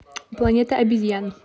планета обезьян